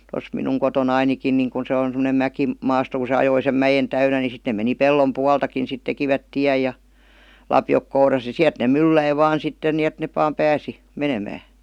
tuossa minun kotonanikin niin kun se on semmoinen - mäkimaasto kun se ajoi sen mäen täynnä niin sitten ne meni pellon puoltakin sitten tekivät tien ja lapiot kourassa ja sieltä ne mylläsi vain sitten niin että ne vain pääsi menemään